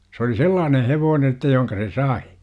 se oli sellainen hevonen sitten jonka se sai